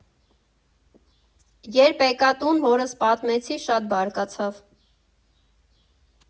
Երբ եկա տուն, հորս պատմեցի, շատ բարկացավ։